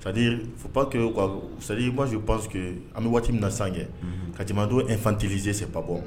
Sadi pa que basi que que an bɛ waati min na san kɛ ka jama don efantizese pa bɔ